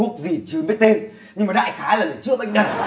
thuốc gì chưa biết tên nhưng mà đại khái là chữa bệnh đần